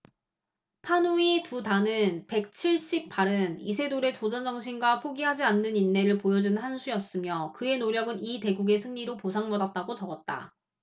판후이 두 단은 백 칠십 팔 은 이세돌의 도전정신과 포기하지 않는 인내를 보여주는 한 수였으며 그의 노력은 이 대국의 승리로 보상받았다고 적었다